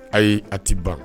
Ayi a tɛ ban